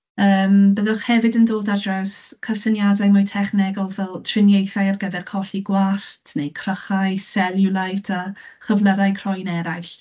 Yym, byddwch hefyd yn dod ar draws cysyniadau mwy technegol fel triniaethau ar gyfer colli gwallt, neu crychau, cellulite, a chyflerau croen eraill.